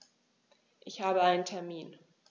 Ich habe einen Termin.